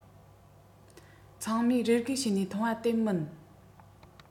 ཚང མས རེ སྒུག བྱེད ནས མཐོང པ དེ མིན